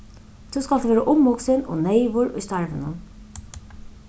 tú skalt vera umhugsin og neyvur í starvinum